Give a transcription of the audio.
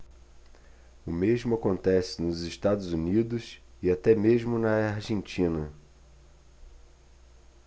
o mesmo acontece nos estados unidos e até mesmo na argentina